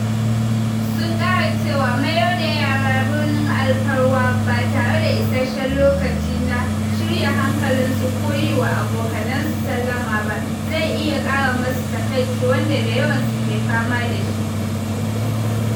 Sun kara cewa mayar da yara birnin alfarwa ba tare da issashen lokaci na shirya hankalin su ko yi wa abokanansu sallama ba, zai iya ƙara musu takaici wanda da yawan su ke fama da shi.